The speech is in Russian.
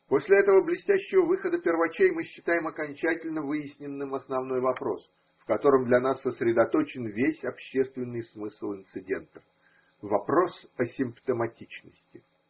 После этого блестящего выхода первачей мы считаем окончательно выясненным основной вопрос, в котором для нас сосредоточен весь общественный смысл инцидента: вопрос о симптоматичности.